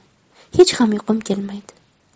hech ham uyqum kelmaydi